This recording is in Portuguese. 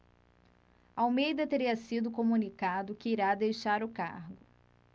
almeida teria sido comunicado que irá deixar o cargo